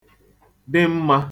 dị mma